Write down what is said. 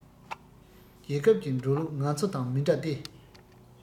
རྒྱལ ཁབ ཀྱི འགྲོ ལུགས ང ཚོ དང མི འདྲ སྟེ